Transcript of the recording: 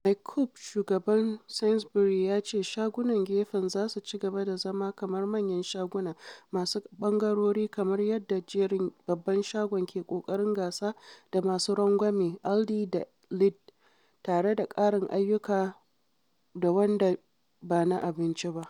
Mike Coupe, shugaban Sainsbury's, ya ce shagunan gefen za su ci gaba da zama kamar manyan shaguna masu ɓangarori kamar yadda jerin babban shagon ke ƙoƙarin gasa da masu rangwame Aldi da Lidl tare da ƙarin ayyuka da wanda ba na abinci ba.